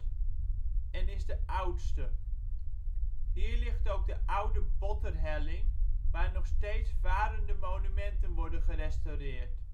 is de oudste. Hier ligt ook de oude botterhelling waar nog steeds varende monumenten worden gerestaureerd